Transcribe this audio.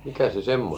mikä se semmoinen oli